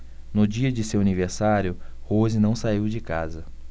no dia de seu aniversário rose não saiu de casa